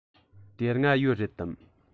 དེ སྔ ཡོད རེད དམ